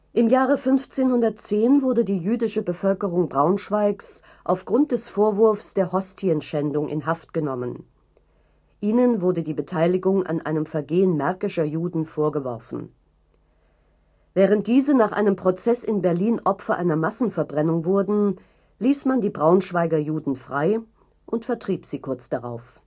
Im Jahre 1510 wurde die jüdische Bevölkerung Braunschweigs aufgrund des Vorwurfs der Hostienschändung in Haft genommen. Ihnen wurde die Beteiligung an einem Vergehen märkischer Juden vorgeworfen. Während diese nach einem Prozess in Berlin Opfer einer Massenverbrennung wurden, ließ man die Braunschweiger Juden frei und vertrieb sie kurz darauf